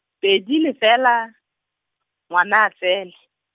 pedi lefela, Ngwanatsele.